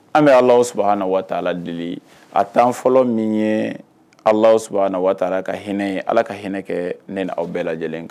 An bɛ Alahu subahanahu wataala deli a tan fɔlɔ min ye Alahu subahanahu wataala ka hinɛ ye Ala ka hinɛ kɛɛ ne ni aw bɛɛ lajɛlen kan